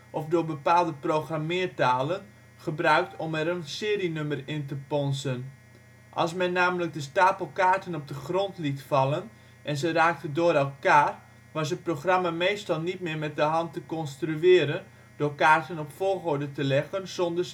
of door bepaalde programmeertalen (Fortran) gebruikt om er een serienummer in te ponsen: als men namelijk de stapel kaarten op de grond liet vallen en ze raakten door elkaar was het programma meestal niet meer te met de hand te construeren door de kaarten op volgorde te leggen zonder